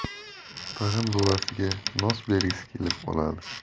tag'in buvasiga nos bergisi kelib qoladi